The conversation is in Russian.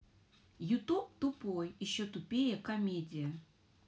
ютуб тупой еще тупее комедия